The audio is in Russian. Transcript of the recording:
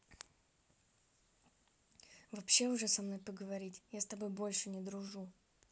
вообще уже со мной поговорить я с тобой больше не дружу